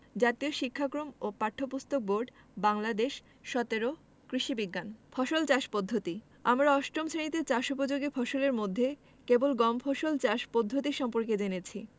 জাতীয় শিক্ষাক্রম ও পাঠ্যপুস্তক বোর্ড বাংলাদেশ ১৭ কৃষি বিজ্ঞান ফসল চাষ পদ্ধতি আমরা অষ্টম শ্রেণিতে চাষ উপযোগী ফসলের মধ্যে কেবল গম ফসল চাষ পদ্ধতি সম্পর্কে জেনেছি